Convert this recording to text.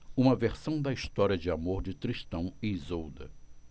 uma versão da história de amor de tristão e isolda